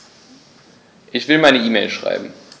Ich will eine E-Mail schreiben.